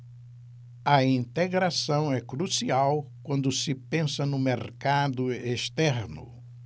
a integração é crucial quando se pensa no mercado externo